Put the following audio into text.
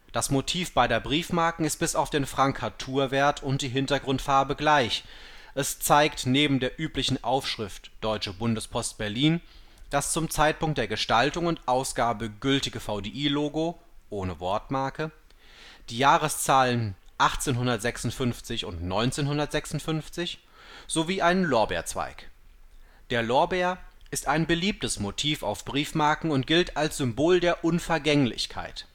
Das Motiv beider Briefmarken ist bis auf den Frankaturwert und die Hintergrundfarbe gleich. Es zeigt neben der üblichen Aufschrift Deutsche Bundespost Berlin das zum Zeitpunkt der Gestaltung und Ausgabe gültige VDI-Logo (ohne Wortmarke), die Jahreszahlen 1856 und 1956 sowie einen Lorbeerzweig. Der Lorbeer ist ein beliebtes Motiv auf Briefmarken und gilt als Symbol der Unvergänglichkeit